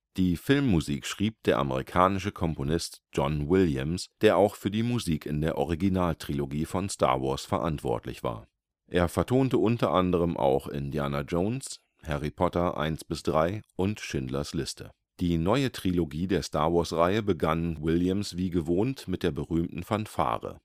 Die Filmmusik schrieb der amerikanische Komponist John Williams, der auch für die Musik in der Originaltrilogie von Star Wars verantwortlich war. Er vertonte unter anderem Indiana Jones, Harry Potter 1-3 und Schindlers Liste. Die neue Trilogie der Star-Wars-Reihe begann Williams wie gewohnt mit der berühmten Fanfare